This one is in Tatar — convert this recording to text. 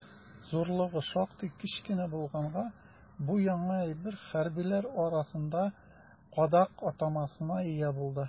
Зурлыгы шактый кечкенә булганга, бу яңа әйбер хәрбиләр арасында «кадак» атамасына ия булды.